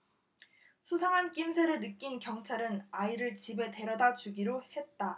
수상한 낌새를 느낀 경찰은 아이를 집에 데려다 주기로 했다